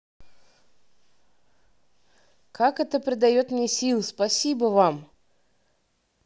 как это придает мне сил спасибо вам